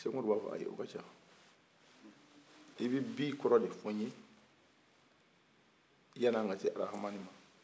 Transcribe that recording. sɛkumaru b'a fɔ ayi o ka ca i bi bi kɔrɔ de fɔ yen yani an ka se arahamani ma